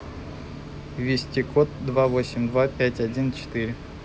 вести код два восемь два пять один четыре